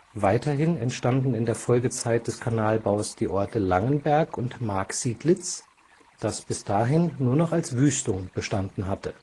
Weiterhin entstanden in der Folgezeit des Kanalbaus die Orte Langenberg und Marksiedlitz, das bis dahin nur noch als Wüstung bestanden hatte